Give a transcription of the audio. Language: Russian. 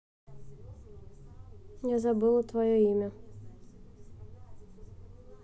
я забыла твое имя